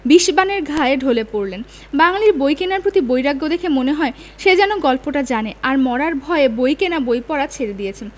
বিষবাণের ঘায়ে ঢলে পড়লেন বাঙালীর বই কেনার প্রতি বৈরাগ্য দেখে মনে হয় সে যেন গল্পটা জানে আর মরার ভয়ে বই কেনা বই পড়া ছেড়ে দিয়েছে